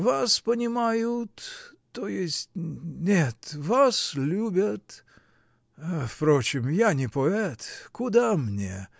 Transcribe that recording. вас понимают, то есть нет, -- вас любят. Впрочем, я не поэт, куда мне!